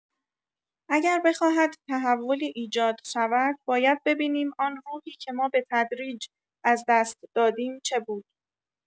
اگر بخواهد تحولی ایجاد شود باید ببینیم آن روحی که ما به‌تدریج از دست دادیم، چه بود.